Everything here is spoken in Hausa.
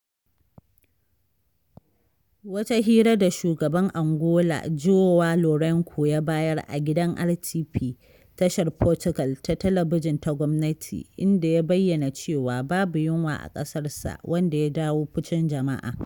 Wata hira da Shugaban Angola João Lourenço ya bayar a gidan RTP, tashar Portugal ta talabijin ta gwamnati, inda ya bayyana cewa babu yunwa a ƙasarsa, wanda ya jawo fushin jama’a.